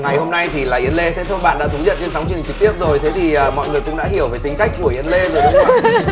ngày hôm nay thì là yến lê thế thôi bạn đã thú nhận trên sóng truyền hình trực tiếp rồi thế thì mọi người cũng đã hiểu về tính cách của yến lê rồi đúng không ạ